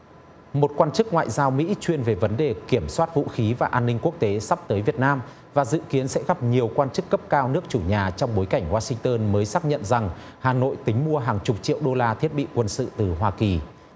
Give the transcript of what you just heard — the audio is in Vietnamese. một quan chức ngoại giao mỹ chuyên về vấn đề kiểm soát vũ khí và an ninh quốc tế sắp tới việt nam và dự kiến sẽ gặp nhiều quan chức cấp cao nước chủ nhà trong bối cảnh oa sinh tơn mới xác nhận rằng hà nội tính mua hàng chục triệu đô la thiết bị quân sự từ hoa kỳ